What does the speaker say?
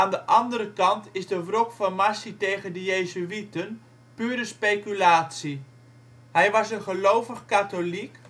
de andere kant is de wrok van Marci tegen de jezuïeten pure speculatie; hij was een gelovig katholiek